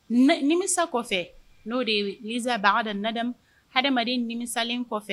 Nimisa kɔfɛ n'o de yesabagada adamaden nimisalen kɔfɛ